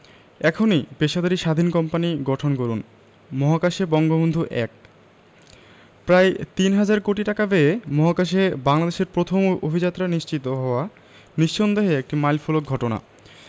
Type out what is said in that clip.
এখনই পেশাদারি স্বাধীন কোম্পানি গঠন করুন মহাকাশে বঙ্গবন্ধু ১ প্রায় তিন হাজার কোটি টাকা ব্যয়ে মহাকাশে বাংলাদেশের প্রথম অভিযাত্রা নিশ্চিত হওয়া নিঃসন্দেহে একটি মাইলফলক ঘটনা